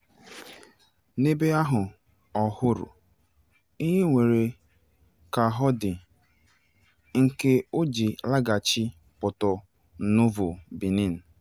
N'ebe ahụ, ọ hụrụ "ihe nwere ka ọ dị" nke o ji laghachi Porto-Novo, Benin.